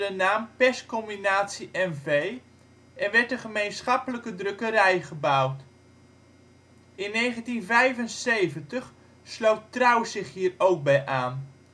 naam Perscombinatie NV, en werd een gemeenschappelijke drukkerij gebouwd. In 1975 sloot Trouw zich hier ook bij aan. In